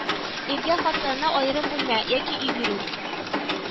Иргә хатынына аерым бүлмә яки өй бирү